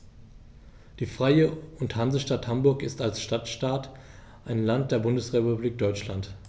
Die Freie und Hansestadt Hamburg ist als Stadtstaat ein Land der Bundesrepublik Deutschland.